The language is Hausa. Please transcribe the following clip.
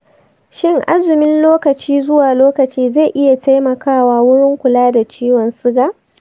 sin azumin lokaci zuwa lokaci zai iya taimakawa wurin kula da ciwon siga?